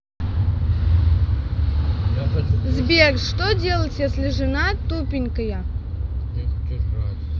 сбер что делать если жена тупенькая